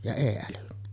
ja ei älynnyt